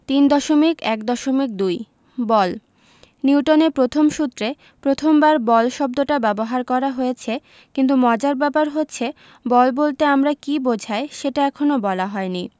৩.১.২ বল নিউটনের প্রথম সূত্রে প্রথমবার বল শব্দটা ব্যবহার করা হয়েছে কিন্তু মজার ব্যাপার হচ্ছে বল বলতে আমরা কী বোঝাই সেটা এখনো বলা হয়নি